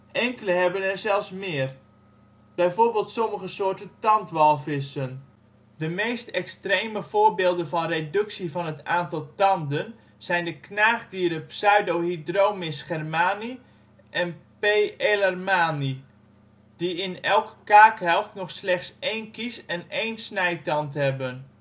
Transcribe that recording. Enkele hebben er zelfs meer, bijvoorbeeld sommige soorten tandwalvissen. De meest extreme voorbeelden van reductie van het aantal tanden zijn de knaagdieren Pseudohydromys germani en P. ellermani, die in elke kaakhelft nog slechts één kies en één snijtand hebben